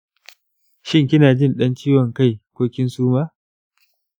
shin, kina jin dan ciwon kai ko kin suma?